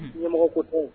Ɲɛmɔgɔ ko tɛ o